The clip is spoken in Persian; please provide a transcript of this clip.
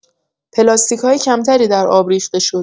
پلاستیک‌های کم‌تری در آب ریخته شد.